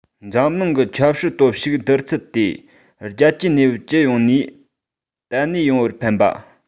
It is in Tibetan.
འཛམ གླིང གི ཆབ སྲིད སྟོབས ཤུགས བསྡུར ཚུལ དེ རྒྱལ སྤྱིའི གནས བབ སྤྱི ཡོངས ནས བརྟན གནས ཡོང བར ཕན པ